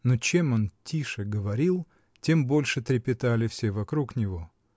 но чем он тише говорил, тем больше трепетали все вокруг него.